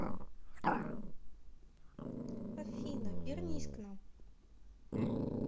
афина вернись к нам